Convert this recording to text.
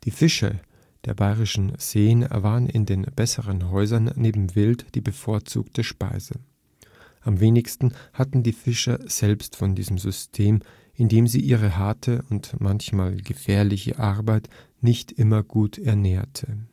Fische der bayrischen Seen waren in den besseren Häusern neben Wild die bevorzugte Speise. Am wenigsten hatten die Fischer selbst von diesem System, in dem sie ihre harte und manchmal gefährliche Arbeit nicht immer gut ernährte